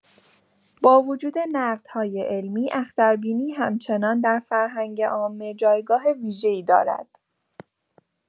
با وجود نقدهای علمی، اختربینی همچنان در فرهنگ عامه جایگاه ویژه‌ای دارد.